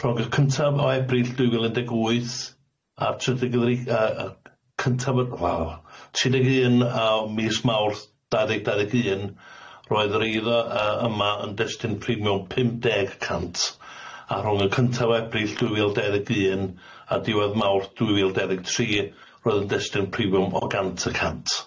Rhwng y cyntaf o Ebrill dwy fil un deg wyth a'r trydydd ar i- yy y cyntaf o'r oh! tri deg un a mis Mawrth dau ddeg dau ddeg un roedd yr eiddo yy yma yn destun primiwm pum deg y cant, a rhwng y cyntaf o Ebrill dwy fil dau ddeg un a diwedd Mawrth dwy fil dau ddeg tri roedd yn destun primiwm o gant y cant.